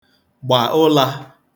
gba ụlā